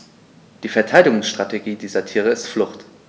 Die Verteidigungsstrategie dieser Tiere ist Flucht.